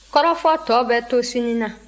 kɔrɔfɔ tɔ bɛ to sini na